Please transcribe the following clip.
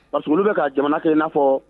Wa surun bɛ ka jamana kɛ in n'a fɔ